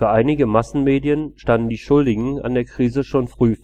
einige Massenmedien standen die Schuldigen an der Krise schon früh